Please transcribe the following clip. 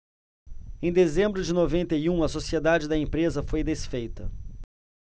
em dezembro de noventa e um a sociedade da empresa foi desfeita